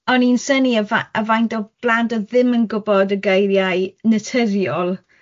O'n i'n synnu y fa- y faint o blant oedd ddim yn yn gwybod y geiriau naturiol